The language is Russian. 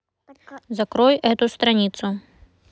закрой эту страницу